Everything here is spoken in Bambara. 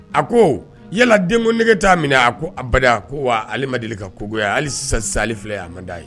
A ko yaladen ko nege t' minɛ a ko ba ko wadi ka kogoya haliali fila ye a man' ye